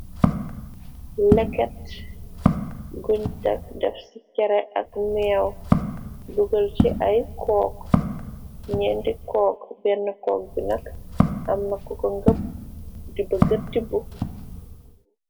Leket guñtak def ci kere ak méew, dugal ci ay kook neenti kook, bena kook bi nak amna ko ko ngëpp di ba gëtti bu.